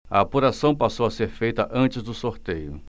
a apuração passou a ser feita antes do sorteio